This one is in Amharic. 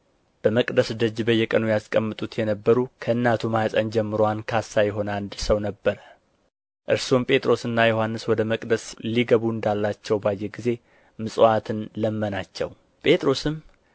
በመቅደስ ደጅ በየቀኑ ያስቀምጡት የነበሩ ከእናቱ ማኅፀን ጀምሮ አንካሳ የሆነ አንድ ሰው ነበረ እርሱም ጴጥሮስና ዮሐንስ ወደ መቅደስ ሊገቡ እንዳላቸው ባየ ጊዜ ምጽዋትን ለመናቸው ጴጥሮስም